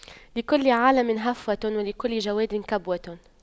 لكل عالِمٍ هفوة ولكل جَوَادٍ كبوة